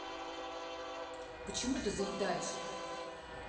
почему ты заедаешь